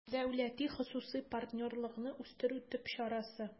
«дәүләти-хосусый партнерлыкны үстерү» төп чарасы